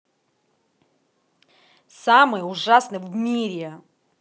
самый ужасный в мире